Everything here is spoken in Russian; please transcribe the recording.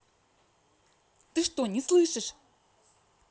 ты что не слышишь